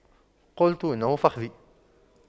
قلت إنه فخذي